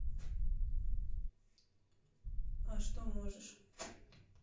а что можешь